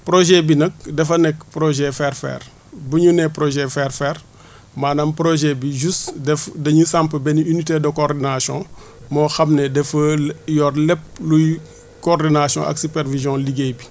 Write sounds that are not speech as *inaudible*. projet bi nag dafa nekk projet faire faire bu ñu nee prjet faire faire *breath* maanaam prpjet bi juste def dañu samp benn unité de coordination *breath* moo xam ne dafa yor lépp luy coordination ak suppervision liggéey bi